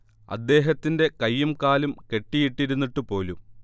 അദ്ദേഹത്തിന്റെ കൈയും കാലും കെട്ടിയിട്ടിരുന്നിട്ടുപോലും